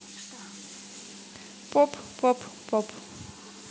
поп поп поп